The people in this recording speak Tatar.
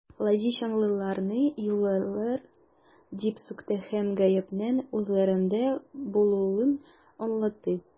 Лозищанлыларны юләрләр дип сүкте һәм гаепнең үзләрендә булуын аңлатты.